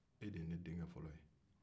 e de ye ne denkɛ fɔlɔ ye